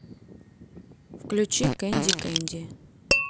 включи кэнди кэнди